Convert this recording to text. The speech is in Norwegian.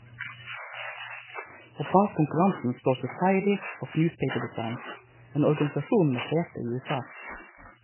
Og bak konkurransen står Society of Newspaper Design, en organisasjon med sete i USA.